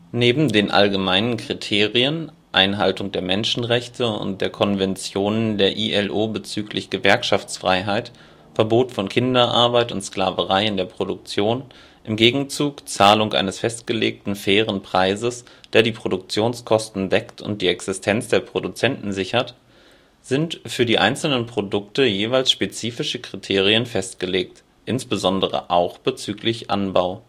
Neben den allgemeinen Kriterien – Einhaltung der Menschenrechte und der Konventionen der ILO bezüglich Gewerkschaftsfreiheit, Verbot von Kinderarbeit und Sklaverei in der Produktion, im Gegenzug Zahlung eines festgelegten „ fairen “Preises, der die Produktionskosten deckt und die Existenz der Produzenten sichert – sind für die einzelnen Produkte jeweils spezifische Kriterien festgelegt, insbesondere auch bezüglich Anbau